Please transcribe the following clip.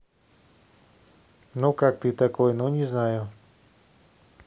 ну как ты такой ну не знаю